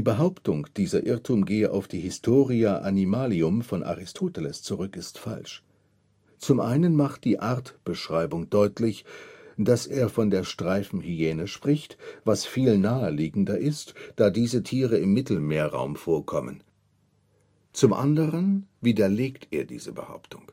Behauptung, dieser Irrtum gehe auf die Historia animalium von Aristoteles zurück, ist falsch. Zum einen macht die Artbeschreibung deutlich, dass er von der Streifenhyäne spricht, was viel naheliegender ist, da diese Tiere im Mittelmeerraum vorkommen. Zum anderen widerlegt er diese Behauptung.